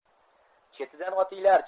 chetidan otinglar